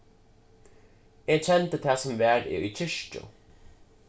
eg kendi tað sum var eg í kirkju